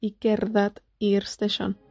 i gerdded i'r stesion.